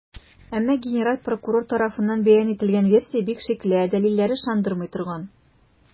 Әмма генераль прокурор тарафыннан бәян ителгән версия бик шикле, ә дәлилләре - ышандырмый торган.